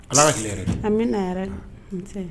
Ala k'i yɛrɛ an bɛ na yɛrɛ